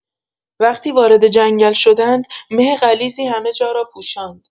وقتی وارد جنگل شدند، مه غلیظی همه‌جا را پوشاند.